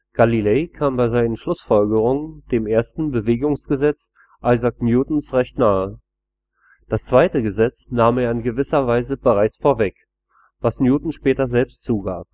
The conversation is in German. Galilei kam bei seinen Schlussfolgerungen dem ersten Bewegungsgesetz Isaac Newtons recht nahe. Das zweite Gesetz nahm er in gewisser Weise bereits vorweg, was Newton später selbst zugab